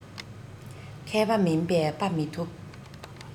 མཁས པ མིན པས དཔའ མི ཐོབ